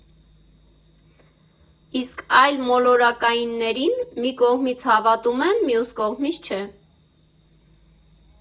Իսկ այլմոլորակայիններին մի կողմից հավատում եմ, մյուս կողմից՝ չէ։